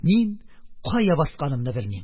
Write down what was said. Мин кая басканымны белмим.